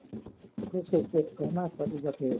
รู้สึกปวดแผลมากจากอุบัติเหตุ